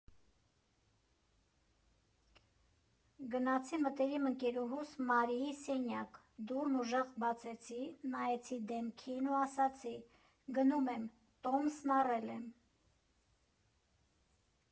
Գնացի մտերիմ ընկերուհուս՝ Մարիի սենյակ, դուռն ուժեղ բացեցի, նայեցի դեմքին ու ասացի՝ գնում եմ, տոմսն առել եմ։